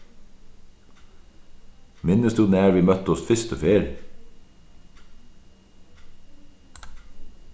minnist tú nær vit møttust fyrstu ferð